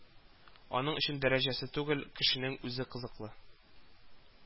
Аның өчен дәрәҗәсе түгел, кешенең үзе кызыклы